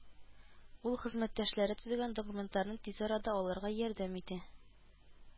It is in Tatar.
Ул хезмәттәшләре төзегән документларны тиз арада алырга ярдәм итә